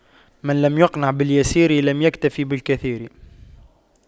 من لم يقنع باليسير لم يكتف بالكثير